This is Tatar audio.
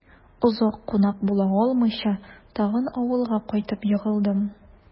Озак кунак була алмыйча, тагын авылга кайтып егылдым...